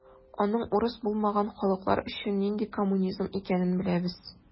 Аның урыс булмаган халыклар өчен нинди коммунизм икәнен беләбез.